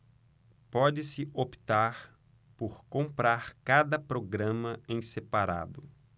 pode-se optar por comprar cada programa em separado